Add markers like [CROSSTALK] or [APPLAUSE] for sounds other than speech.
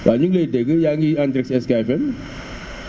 waaw ñu ngi lay dégg yaa ngi en direct si SK FM [NOISE]